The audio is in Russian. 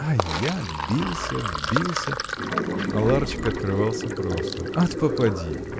— А я бился, бился, а ларчик открывался просто! От попадьи.